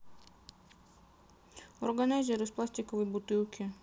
органайзер из пластиковой бутылки